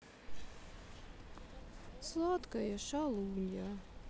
сладкая шалунья